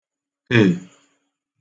-hè